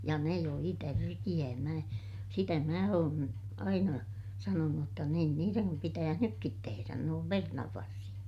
ja ne joi tärkeää minä sitä minä olen aina sanonut jotta niin niidenkin pitäisi nytkin tehdä noille perunanvarsille